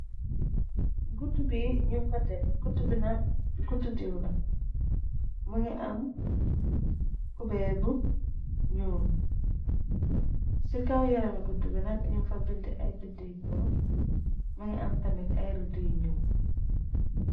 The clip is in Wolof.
guutu bi ñu kote, gut bi nak gutu diiwlé mu nga am kubeer bu ñuul. ci kaw yarami gut bi nag ñu fa bind ay bind ñuul, më ngi am tamir ay rëddu yi ñuul.